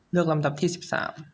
เลือกลำดับที่สิบสาม